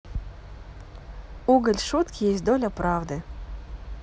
уголь шутки есть доля правды